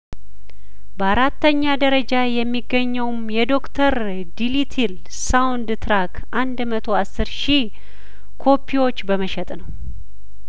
በአራተኛ ደረጃ የሚገኘውም የዶክተር ዲሊትል ሳውንድ ትራክ አንድ መቶ አስር ሺ ኮፒዎች በመሸጥ ነው